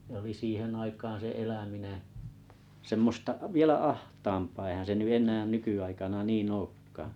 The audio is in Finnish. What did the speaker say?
se oli siihen aikaan se eläminen semmoista vielä ahtaampaa eihän se nyt enää nykyaikana niin olekaan